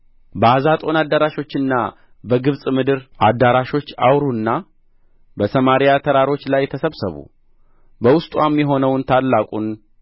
በአዛጦን አዳራሾችና በግብጽ ምድር አዳራሾች አውሩና በሰማርያ ተራሮች ላይ ተሰብሰቡ በውስጥዋም የሆነውን ታላቁን